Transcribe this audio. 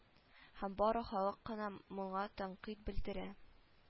Һәм бары халык кына моңа тәнкыйть белдерә